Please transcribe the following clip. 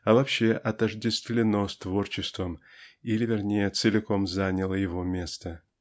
а вообще отождествлено с творчеством или вернее целиком заняло его место.